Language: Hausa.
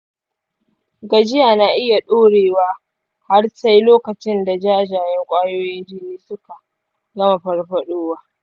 gajiya na iya ɗorewa har sai lokacin da jajayen ƙwayoyin jini suka gama farfaɗowa.